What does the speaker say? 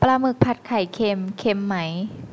ปลาหมึกผัดไข่เค็มเค็มไหม